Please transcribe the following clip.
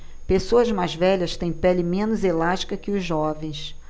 pessoas mais velhas têm pele menos elástica que os jovens